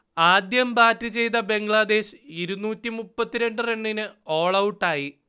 ആദ്യം ബാറ്റ് ചെയ്ത ബംഗ്ലാദേശ് ഇരുന്നൂറ്റിമുപ്പത്തിരണ്ട് റണ്ണിന് ഓൾഔട്ടായി